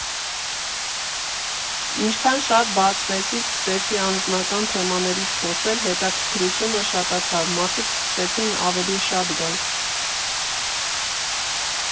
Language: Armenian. Ինչքան շատ բացվեցի, սկսեցի անձնական թեմաներից խոսել հետաքրքրությունը շատացավ, մարդիկ սկսեցին ավելի շատ գալ։